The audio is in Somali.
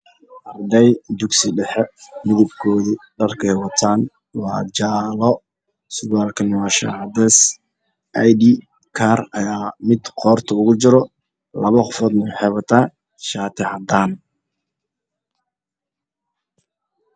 Arday dugsi dhexe dharkooda midabkiisa waa jaale mid aya id card wato